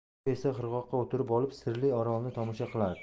u esa qirg'oqqa o'tirib olib sirli orolni tomosha qilardi